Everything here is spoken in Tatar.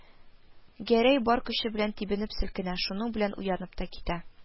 Гәрәй бар көче белән тибенеп селкенә, шуның белән уянып та китә